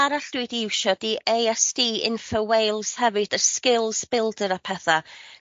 peth arall dwi 'di iwsio 'di Ay Ess Dee Info Wales hefyd y skills builder a petha.